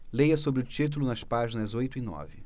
leia sobre o título nas páginas oito e nove